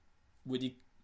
...wedi